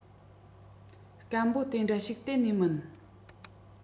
སྐམ པོ དེ འདྲ ཞིག གཏན ནས མིན